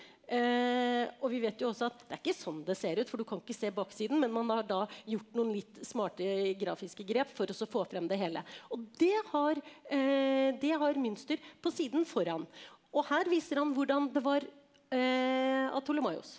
og vi vet jo også at det er ikke sånn det ser ut, for du kan ikke se baksiden, men man har da gjort noen litt smarte, grafiske grep for og så få frem det hele, og det har det har Münster på siden foran og her viser han hvordan det var av Ptolemaios.